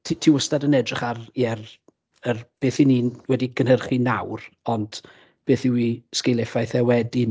Ti ti wastad yn edrych ar.. ie- ar... yr beth 'y ni wedi cynhyrchu nawr ond beth yw ei sgil effaith e wedyn.